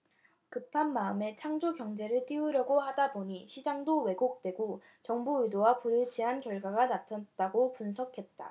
급한 마음에 창조경제를 띄우려고 하다 보니 시장도 왜곡되고 정부 의도와 불일치한 결과가 나타났다고 분석했다